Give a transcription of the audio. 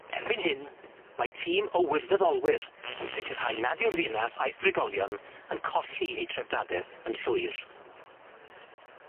Erbyn hyn, mae tîm o wirfoddolwyr yn sicirhau nad yw'r ddinas a'i thrigolion yn colli eu trefdadeth yn llwyr.